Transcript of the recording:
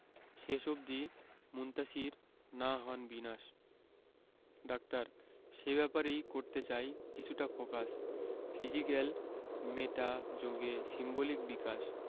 শেষ অবধি মুনতাসীর না হন বিনাশ ডাক্তার সে ব্যাপারেই করতে চাই কিছুটা ফোকাস ফিজিক্যাল মেটা যোগে সিম্বলিক বিকাশ